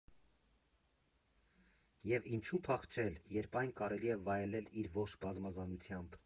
Եվ ինչու՞ փախչել, երբ այն կարելի է վայելել իր ողջ բազմազանությամբ։